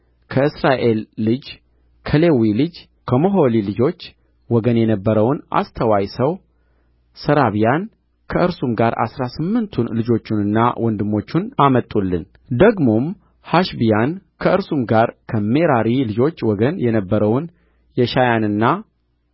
ከእስራኤል ልጅ ከሌዊ ልጅ ከሞሖሊ ልጆች ወገን የነበረውን አስተዋይ ሰው ሰራብያን ከእርሱም ጋር አሥራ ስምንቱን ልጆቹንና ወንድሞቹን አመጡልን ደግሞም ሐሸብያን ከእርሱም ጋር ከሜራሪ ልጆች ወገን የነበረውን የሻያንና